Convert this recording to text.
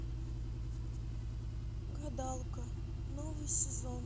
гадалка новый сезон